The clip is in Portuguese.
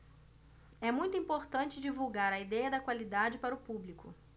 é muito importante divulgar a idéia da qualidade para o público